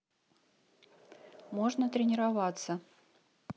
можно тренироваться